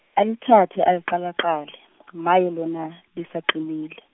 ali thathe aliqalaqale , maye lona, lisaqinile.